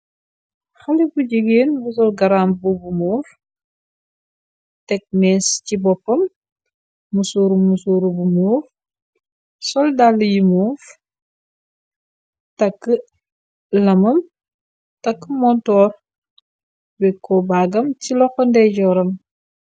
xale bu jigeen bu sol garam bu bu muuf tek mees ci boppam musuuru musuuru bu muuf soldal yu muuf takk lamam takk montoor wekko baagam ci loxonde jooram